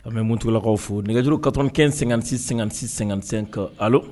A bɛ muntulakaw fo nɛgɛjuru katkɛ sɛgɛnsɛsisɛsen ka ali